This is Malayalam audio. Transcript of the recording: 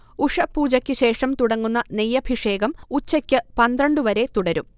ഉഷഃപൂജക്കുശേഷം തുടങ്ങുന്ന നെയ്യഭിഷേകം ഉച്ച്ക്ക് പന്ത്രണ്ട് വരെ തുടരും